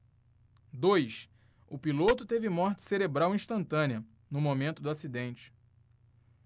dois o piloto teve morte cerebral instantânea no momento do acidente